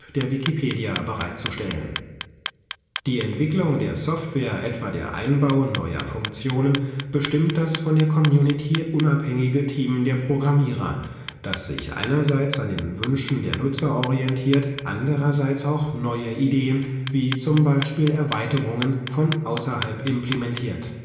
der Wikipedia bereitzustellen. Die Entwicklung der Software, etwa den Einbau neuer Funktionen, bestimmt das von der Community unabhängige Team der Programmierer, das sich einerseits an den Wünschen der Nutzer orientiert, andererseits auch neue Ideen, wie zum Beispiel Erweiterungen, von außerhalb implementiert